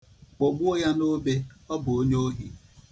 Kpọgbuo ya n'obe, ọ bụ onye ohi.